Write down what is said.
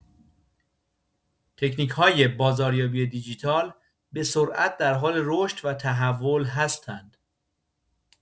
تکنیک‌های بازاریابی دیجیتال به‌سرعت در حال رشد و تحول هستند.